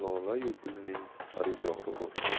lola yu gulning xaridori bor